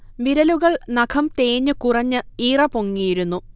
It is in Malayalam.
വിരലുകൾ നഖം തേഞ്ഞ് കുറഞ്ഞ് ഈറ പൊങ്ങിയിരുന്നു